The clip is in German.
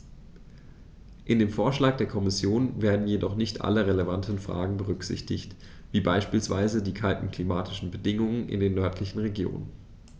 In dem Vorschlag der Kommission werden jedoch nicht alle relevanten Fragen berücksichtigt, wie beispielsweise die kalten klimatischen Bedingungen in den nördlichen Regionen.